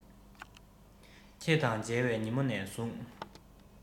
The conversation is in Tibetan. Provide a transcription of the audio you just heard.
ཁྱེད དང མཇལ བའི ཉིན མོ ནས བཟུང